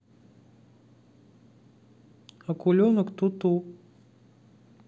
акуленок ту ту